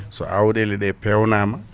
so awɗele ɗe peewnama